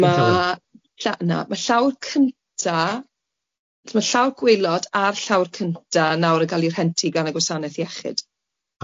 Ma lla- na, ma' llawr cynta, so ma' llawr gwaelod a'r llawr cynta nawr yn ca'l ei rhentu gan y Gwasanaeth Iechyd.